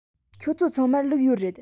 ཁྱོད ཚོ ཚང མར ལུག ཡོད རེད